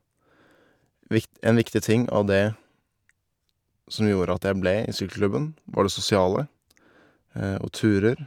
vikt En viktig ting, og det som gjorde at jeg ble i sykkelklubben, var det sosiale og turer.